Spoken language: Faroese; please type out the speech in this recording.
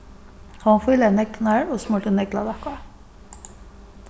hon fílaði neglirnar og smurdi neglalakk á